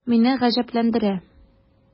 Мине гаҗәпләндерә: